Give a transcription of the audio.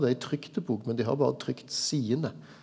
det er ei trykt bok men dei har berre trykt sidene.